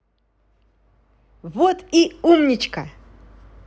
вот и умничка